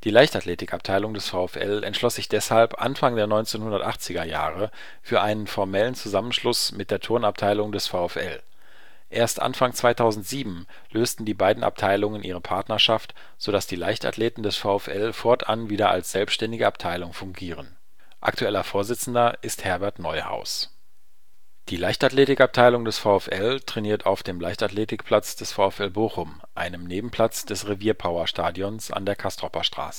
Leichtathletik-Abteilung des VfL entschloss sich deshalb Anfang der 1980er Jahre für einen formellen Zusammenschluss mit der Turnabteilung des VfL. Erst Anfang 2007 lösten die beiden Abteilungen ihre Partnerschaft, so dass die Leichtathleten des VfL fortan wieder als selbstständige Abteilung fungieren. Aktueller Vorsitzender ist Herbert Neuhaus. Die Leichtathletik-Abteilung des VfL trainiert auf dem Leichtathletik-Platz des VfL Bochum, einem Nebenplatz des rewirpower-Stadions an der Castroper Straße